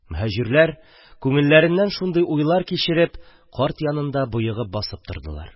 Моһаҗирләр, күңелләреннән шундый уйлар кичереп, карт янында боегып басып тордылар.